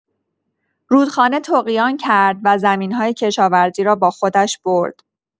رودخانه طغیان کرد و زمین‌های کشاورزی را با خودش برد.